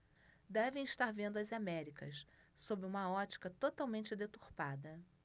devem estar vendo as américas sob uma ótica totalmente deturpada